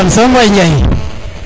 jam soom waay Njaye